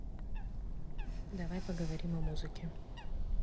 давай поговорим о музыке